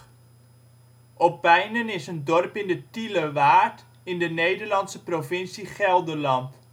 Opijnen is een dorp in de Tielerwaard, in de Nederlandse provincie Gelderland